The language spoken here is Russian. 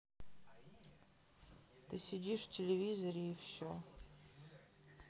ты сидишь в телевизоре и все